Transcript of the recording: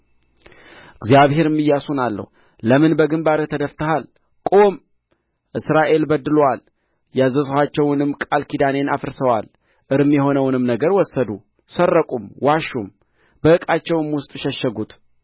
እግዚአብሔርም ኢያሱን አለው ለምን በግምባርህ ተደፍተሃል ቁም እስራኤል በድሎአል ያዘዝኋቸውንም ቃል ኪዳኔን አፍርሰዋል እርም የሆነውንም ነገር ወሰዱ ሰረቁም ዋሹም በዕቃቸውም ውስጥ ሸሸጉት